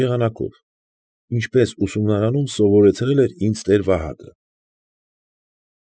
Եղանակով, ինչպես ուսումնարանում սովորեցրել էր ինձ տեր֊Վահակը։